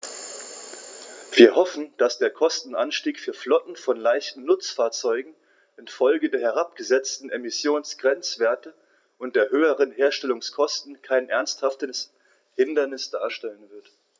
Wir hoffen, dass der Kostenanstieg für Flotten von leichten Nutzfahrzeugen in Folge der herabgesetzten Emissionsgrenzwerte und der höheren Herstellungskosten kein ernsthaftes Hindernis darstellen wird.